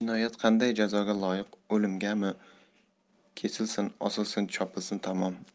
jinoyat qanday jazoga loyiq o'limgami kesilsin osilsin chopilsin tamom